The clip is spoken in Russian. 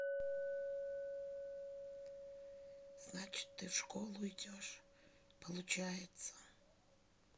значит ты в школу идешь получается